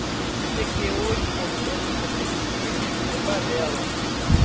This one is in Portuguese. isso de que o importante é competir é balela